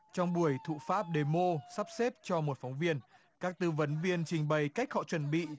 trong buổi thụ pháp đề mô sắp xếp cho một phóng viên các tư vấn viên trình bày cách họ chuẩn bị